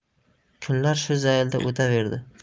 kunlar shu zaylda o'taverdi